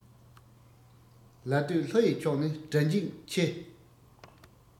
ལ སྟོད ལྷོ ཡི ཕྱོགས ནི དགྲ འཇིགས ཆེ